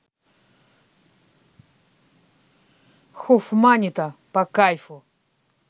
hofmannita по кайфу